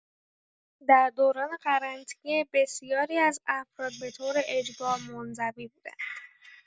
در دوران قرنطینه، بسیاری از افراد به‌طور اجبار منزوی بودند.